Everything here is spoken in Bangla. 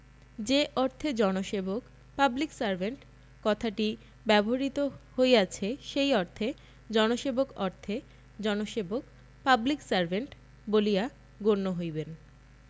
যে অর্থে জনসেবক পাবলিক সার্ভেন্ট কথাটি ব্যবহৃত হইয়াছে সেই অর্থে জনসেবক অর্থে জনসেবক পাবলিক সার্ভেন্ট বলিয়া গণ্য হইবেন